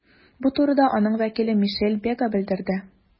Бу турыда аның вәкиле Мишель Бега белдерде.